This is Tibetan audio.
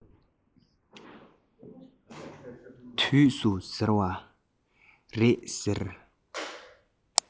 དུས སུ ཟེར བ རེད ཟེར